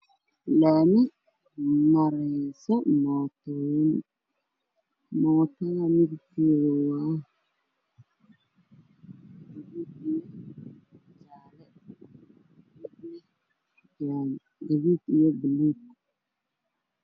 Waa laami waxaa maraayo bajaaj kalarkeedu yahay guduud iyo bajaaj karo